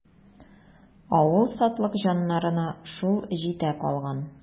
Авыл сатлыкҗаннарына шул җитә калган.